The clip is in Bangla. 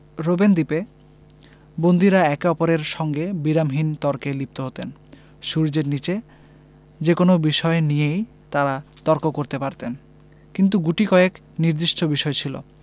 রোবেন দ্বীপে বন্দীরা একে অপরের সঙ্গে বিরামহীন তর্কে লিপ্ত হতেন সূর্যের নিচে যেকোনো বিষয় নিয়েই তাঁরা তর্ক করতে পারতেন কিন্তু গুটিকয়েক নির্দিষ্ট বিষয় ছিল